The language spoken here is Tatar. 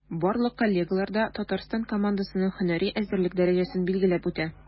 Барлык коллегалар да Татарстан командасының һөнәри әзерлек дәрәҗәсен билгеләп үтә.